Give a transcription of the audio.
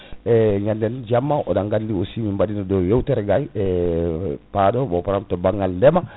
eyyi ñanden jamma oɗon gandi aussi min baɗino ɗo yewtere gay e paɗo mo pr* to banggal ndeema